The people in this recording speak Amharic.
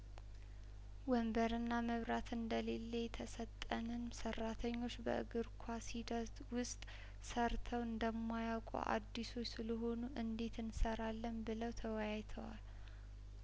ወንበርና መብራት እንደሌለ የተሰጠንም ሰራተኞች በእግር ኳስ ሂደት ውስጥ ሰርተው እንደማያውቁ አዲሶች ስለሆኑ እንዴት እንሰራለን ብለው ተወያይተዋል